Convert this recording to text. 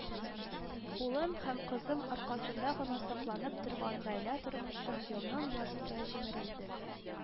Улым һәм кызым аркасында гына сакланып торган гаилә тормышым елның язында җимерелде